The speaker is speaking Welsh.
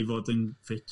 ..i fod yn ffit.